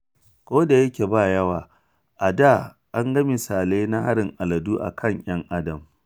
Ko da yake ba yawa, a da an ga misalai na harin aladu a kan ‘yan Adam.